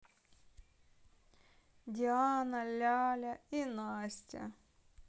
диана ляля и настя